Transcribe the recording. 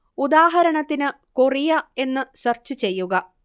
ഉദാഹരണത്തിന് കൊറിയ എന്നു സെർച്ച് ചെയ്യുക